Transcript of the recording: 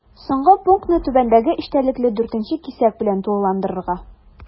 Соңгы пунктны түбәндәге эчтәлекле 4 нче кисәк белән тулыландырырга.